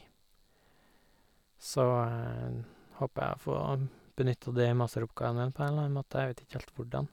Så håper jeg å få benytta det i masteroppgaven min på en eller annen måte, jeg vet itj helt hvordan.